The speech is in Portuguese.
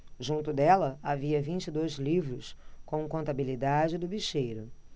junto dela havia vinte e dois livros com a contabilidade do bicheiro